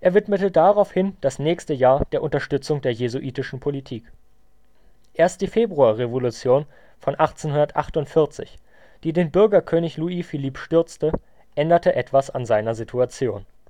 widmete daraufhin das nächste Jahr der Unterstützung der jesuitischen Politik. Erst die Februarrevolution von 1848, die den Bürgerkönig Louis-Philippe stürzte, änderte etwas an seiner Situation